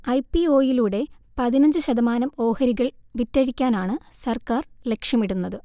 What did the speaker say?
I P ഒയിലൂടെ പതിനഞ്ച് ശതമാനം ഓഹരികൾ വിറ്റഴിക്കാനാണ് സർക്കാർ ലക്ഷ്യമിടുന്നത്